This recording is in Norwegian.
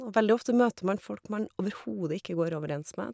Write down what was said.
Og veldig ofte møter man folk man overhodet ikke går overens med.